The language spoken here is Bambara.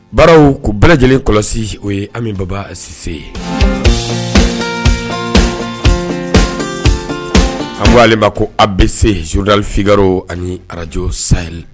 Baararaww ko bɛɛ lajɛlen kɔlɔsi o ye anmi baba sise ye an ko ale ko a bɛ se zoda fi ani arajo sayiri